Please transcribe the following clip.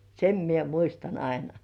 sen minä muistan aina